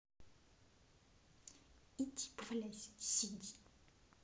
иди поваляйся сиди